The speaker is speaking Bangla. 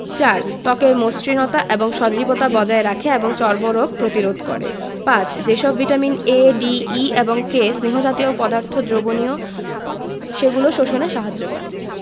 ৪. ত্বকের মসৃণতা এবং সজীবতা বজায় রাখে এবং চর্মরোগ প্রতিরোধ করে ৫. যে সব ভিটামিন A D E এবং K স্নেহ জাতীয় পদার্থ দ্রবণীয় সেগুলো শোষণে সাহায্য করে